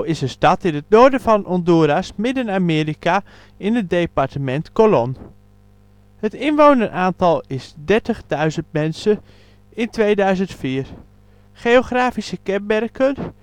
Stad in het Noorden van Honduras, Midden-Amerika, departement Colón Inwoneraantal: 30.000 mensen in 2004 Geografische kenmerken